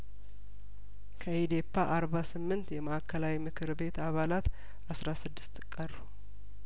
ከኢዴፓ አርባ ስምንት የማእከላዊምክር ቤት አባላት አስራ ስድስት ቀሩ